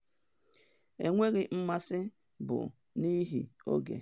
Enweghị mmasị bụ n’ihi oge.